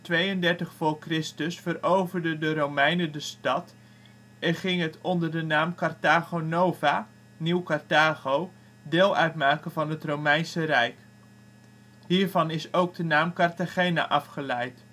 232 v.Chr. veroverden de Romeinen de stad, en ging het onder de naam Carthago Nova (Nieuw Carthago) deel uitmaken van het Romeinse Rijk. Hiervan is ook de naam Cartagena afgeleid